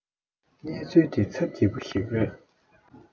གནས ཚུལ འདི ཚབ རྗི པོ ཞིག རེད